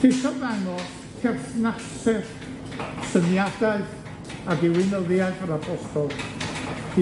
ceisio dangos perthnasedd, syniadaeth a diwinyddiaeth yr apostol